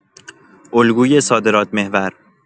الگوی صادرات‌محور